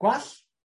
gwall,